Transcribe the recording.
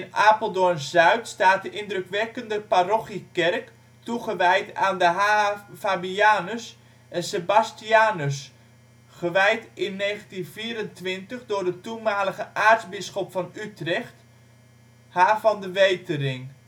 Apeldoorn-Zuid staat de indrukwekkende parochiekerk toegewijd aan de H.H. Fabianus en Sebastianus, gewijd in 1924 door de toenmalige aartsbisschop van Utrecht, mgr. H. v.d. Wetering